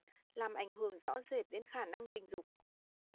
làm ảnh hưởng rõ rệt đến khả năng tình dục